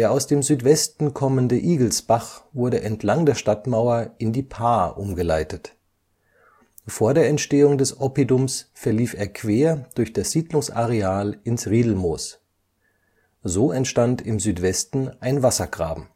aus dem Südwesten kommende Igelsbach wurde entlang der Stadtmauer in die Paar umgeleitet. Vor der Entstehung des Oppidums verlief er quer durch das Siedlungsareal ins Riedelmoos. So entstand im Südwesten ein Wassergraben